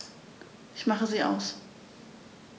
Ich mache sie aus.